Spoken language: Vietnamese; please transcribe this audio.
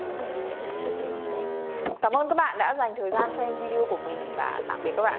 mình sẽ để cái tên ở đây cảm ơn các bạn đã dành thời gian xem video của mình và tạm biệt các bạn